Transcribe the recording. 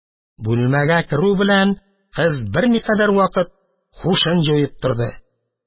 Бүлмәгә керү белән, кыз берникадәр вакыт һушын җуеп торды.